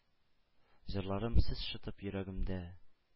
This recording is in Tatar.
Җырларым, сез шытып йөрәгемдә